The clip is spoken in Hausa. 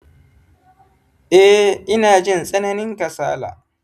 eh, inajin tsananin kasala